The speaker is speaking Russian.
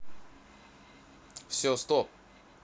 все стоп